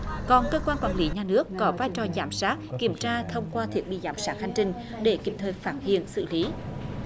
còn cơ quan quản lý nhà nước có vai trò giám sát kiểm tra thông qua thiết bị giám sát hành trình để kịp thời phát hiện xử lý